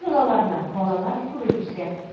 Бу йолаларны балалар күреп үсә.